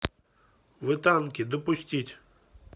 вы танки допустить